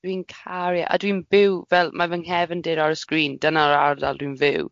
Dwi'n caru a dwi'n byw fel mae fy nghefndir ar y sgrin, dyna'r ardal dwi'n fyw.